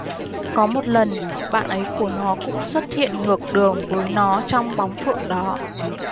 có một lần bạn ấy của nó cũng xuất hiện ngược đường với nó trong bóng phượng đó